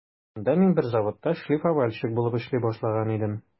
Анда мин бер заводта шлифовальщик булып эшли башлаган идем.